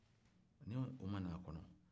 ni o ma na a kɔnɔ